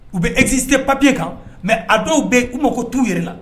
U bɛ eki tɛ papiye kan mɛ a dɔw bɛ yen k kuma ma ko t tuu yɛrɛ la